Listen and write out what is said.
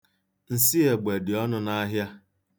Nsịegbe dị ọnụ n'ahịa.